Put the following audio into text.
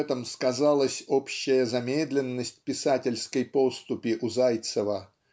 в этом сказалась общая замедленность писательской поступи у Зайцева